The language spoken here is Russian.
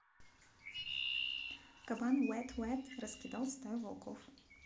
кабан wet wet раскидал стаю волков